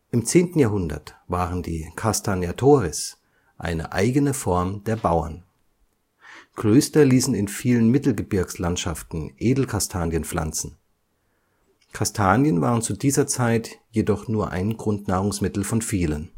Im 10. Jahrhundert waren die castagnatores eine eigene Form der Bauern. Klöster ließen in vielen Mittelgebirgslandschaften Edelkastanien pflanzen. Kastanien waren zu dieser Zeit jedoch nur ein Grundnahrungsmittel von vielen